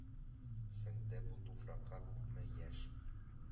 Сеңде бу туфракка күпме яшь,